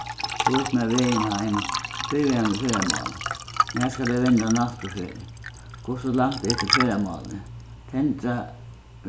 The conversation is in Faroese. vís mær vegin heim fyrrverandi ferðamál nær skal eg venda næstu ferð hvussu langt er til ferðamálið tendra